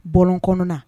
Bɔlɔ kɔnɔna